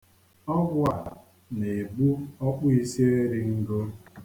Ọgwụ a na-egbu ọ̀kpụīsieringo.